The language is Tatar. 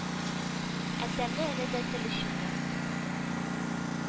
Ә тәме әле дә тел очында